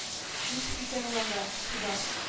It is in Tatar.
Ничек икән ул анда суда